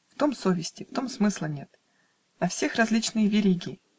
В том совести, в том смысла нет На всех различные вериги